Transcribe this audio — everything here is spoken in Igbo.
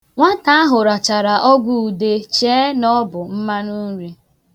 Nwata ahụ rachara ọgwụude chee na ọ bụ mmanụ nri.